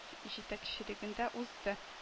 Җитәкчелегендә узды